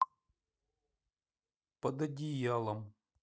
под одеялом